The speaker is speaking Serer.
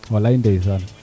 walay ndeysaan